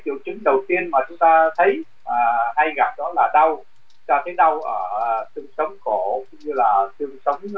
triệu chứng đầu tiên mà chúng ta thấy hay gặp đó là tao chả thấy đau ở xương sống cổ cũng như là xương sống